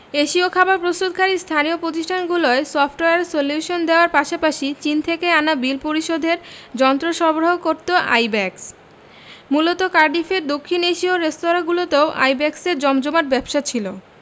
এশীয় খাবার প্রস্তুতকারী স্থানীয় প্রতিষ্ঠানগুলোয় সফটওয়্যার সলিউশন দেওয়ার পাশাপাশি চীন থেকে আনা বিল পরিশোধের যন্ত্র সরবরাহ করত আইব্যাকস মূলত কার্ডিফের দক্ষিণ এশীয় রেস্তোরাঁগুলোতেও আইব্যাকসের জমজমাট ব্যবসা ছিল